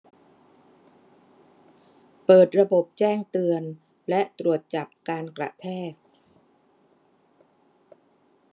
เปิดระบบแจ้งเตือนและตรวจจับการกระแทก